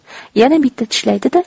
kelganida yana bitta tishlaydi da